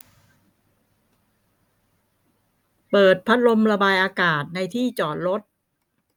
เปิดพัดลมระบายอากาศในที่จอดรถ